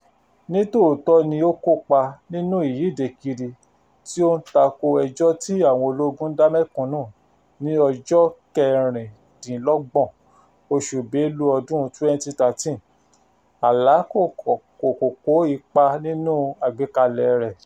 Ní tòótọ́ ni ó kópa nínú ìyíde kiri tí ó ń tako ẹjọ́ tí àwọn ológun dá mẹ́kúnnú ní ọjọ́ 26 oṣù Belu ọdún 2013, Alaa kò kó ipa nínú àgbékalẹ̀ẹ rẹ̀.